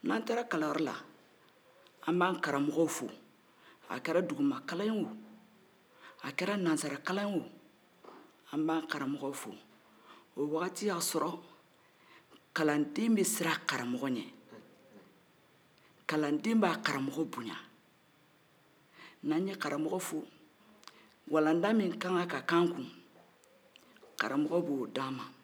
n'an taara kalanyɔrɔ la an b'an karamɔgɔw fo a kɛra dumakalan ye o a kɛra nansarakalan ye o an b'an karamɔgɔw fo o waati y 'a sɔrɔ kalanden bɛ siran a karamɔgɔ ɲɛ kalanden b'a karamɔgɔ boyan n'an ye karamɔgɔ fo walanda min ka kan ka kɛ anw kun karamɔgɔ b'o d'an kun